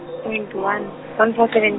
twenty one, one four seven.